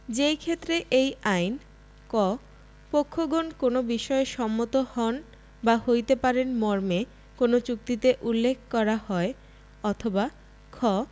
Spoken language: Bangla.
যেইক্ষেত্রে এই আইন ক পক্ষগণ কোন বিষয়ে সম্মত হন বা হইতে পারেন মর্মে কোন চুক্তিতে উল্লেখ করা হয় অথবা খ